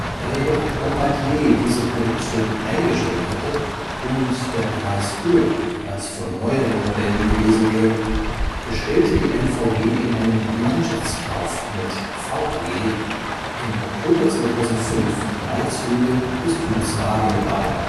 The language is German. Da jedoch Bombardier diese Produktion eingestellt hatte und der Preis höher als von neueren Modellen gewesen wäre, bestellte die MVG in einem Gemeinschaftskauf mit VAG im Oktober 2005 drei Züge des Typs Variobahn